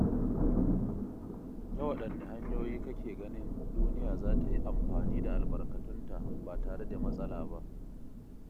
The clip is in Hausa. Ta waɗanne hanyoyi kake ganin duniya za ta yi amfani da albarkatunta ba tare da matsala ba?